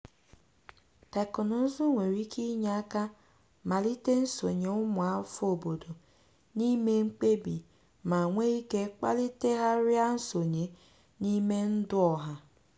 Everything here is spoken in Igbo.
Teknụzụ nwere ike inye aka malite nsonye ụmụafọ obodo n'ime mkpebi ma nwee ike kpalitegharia nsonye n'ime ndụ ọha.